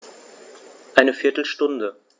Eine viertel Stunde